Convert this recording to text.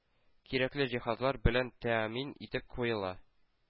Кирәкле җиһазлар белән тәэмин итеп куела.